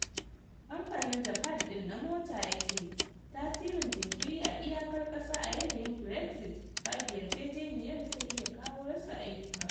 Kamfanin Japan din na mota yace tasirin jinkiri a iyakar ƙasa a yanayin Brexit babu yarjejeniyar zai iya kawo rasa ayyuka.